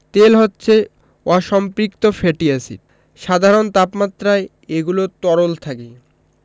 তেল হচ্ছে অসম্পৃক্ত ফ্যাটি এসিড সাধারণ তাপমাত্রায় এগুলো তরল থাকে